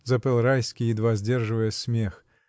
— запел Райский, едва сдерживая смех.